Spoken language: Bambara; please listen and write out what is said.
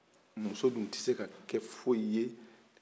muso dun tɛ se ka fosi ye